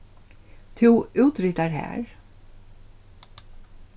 tú útritar har